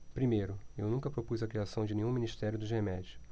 primeiro eu nunca propus a criação de nenhum ministério dos remédios